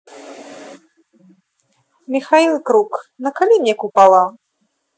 михаил круг наколи мне купола